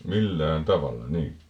millään tavalla niin